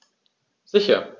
Sicher.